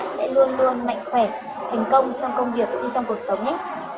sẽ luôn luôn mạnh khỏe thành công trong công việc cũng như trong cuộc sống nhé